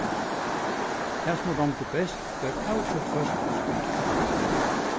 tað sum mær dámdi best var avgjørt tvøst og spik